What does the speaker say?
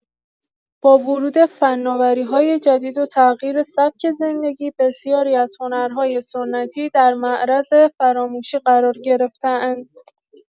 با ورود فناوری‌های جدید و تغییر سبک زندگی، بسیاری از هنرهای سنتی در معرض فراموشی قرار گرفته‌اند.